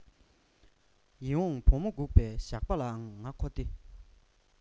ཡིད འོང བུ མོ འགུགས པའི ཞགས པ ལའང ང མཁོ སྟེ